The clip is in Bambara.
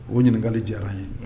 O ɲininkakali diyara ye